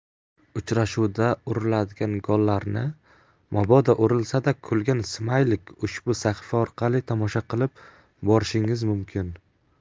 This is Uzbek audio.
uchrashuvda uriladigan gollarni mabodo urilsada kulgan smaylik ushbu sahifa orqali tomosha qilib borishingiz mumkin